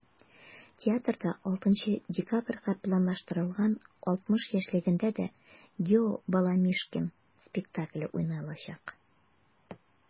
Театрда 6 декабрьгә планлаштырылган 60 яшьлегендә дә “Gо!Баламишкин" спектакле уйналачак.